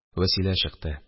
Вәсилә чыкты